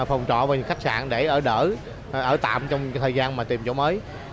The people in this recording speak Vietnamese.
phòng trọ và những khách sạn để ở đỡ ở tạm trong thời gian mà tìm chỗ mới